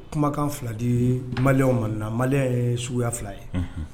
Kumakan fila di malile o ma na mali ye suguya fila ye